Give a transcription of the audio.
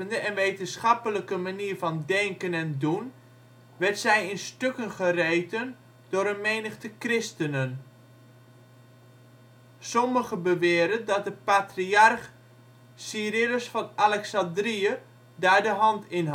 en wetenschappelijke manier van denken en doen werd zij in stukken gereten door een menigte christenen. Sommigen beweren dat de patriarch Cyrillus van Alexandrië daar de hand in